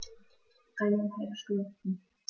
Eineinhalb Stunden